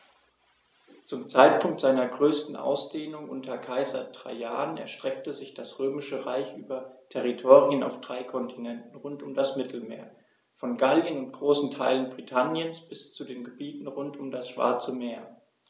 Zum Zeitpunkt seiner größten Ausdehnung unter Kaiser Trajan erstreckte sich das Römische Reich über Territorien auf drei Kontinenten rund um das Mittelmeer: Von Gallien und großen Teilen Britanniens bis zu den Gebieten rund um das Schwarze Meer.